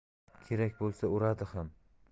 kerak bo'lsa uradi ham